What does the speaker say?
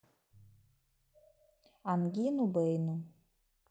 ангину бэйну